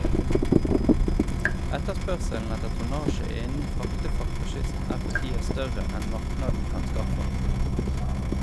Etterspørselen etter tonnasje innan fraktefart på kysten er for tida større enn marknaden kan skaffa.